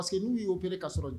Masa que n'u y'o k ka sɔrɔ